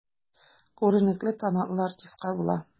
Күренекле, талантлы артистка була.